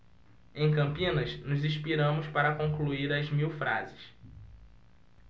em campinas nos inspiramos para concluir as mil frases